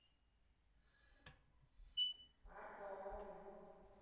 фартовый